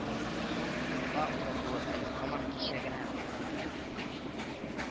Зур юлга озатуы әле һаман кичә генә булган кебек…